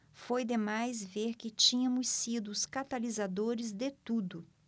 foi demais ver que tínhamos sido os catalisadores de tudo